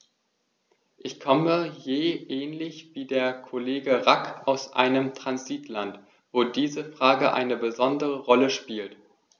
Ich komme ja ähnlich wie der Kollege Rack aus einem Transitland, wo diese Frage eine besondere Rolle spielt.